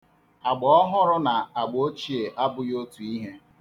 Agbaọhụrụ na agbaochie abụghị otu ihe.